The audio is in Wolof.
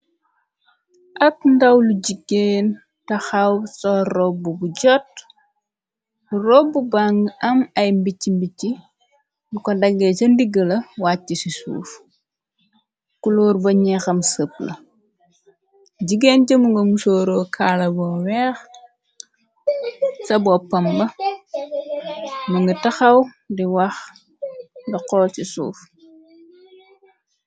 Ak ndaw lu jigeen taxaw sol robbubu jot robbu bàng am ay mbicc mbicci lu ko dagee ca ndiggala wàcc ci suuf kulóor ba ñeexam sëp la jigéen jëmu nga mu sóoro kaalaboo weex ca boppam ba mu nga taxaw di wax di xool ci suuf.